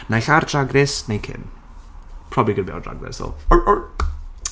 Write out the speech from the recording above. Naill ai ar Drag Race neu cyn. Probably going to be on Drag Race though. Oi oi!